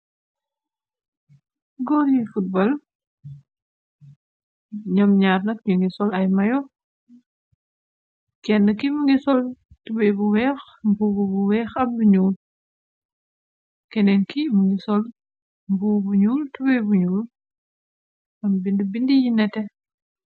goor yu footbal ñoom ñanat yu ngi sol ay mayo kenn ki mu ngi sol tube bu weex mbuub bu weex ab bu ñuul kenneen ki mu ngi sol mbuu bu ñuul tube bu ñuul kon bind bind yi nete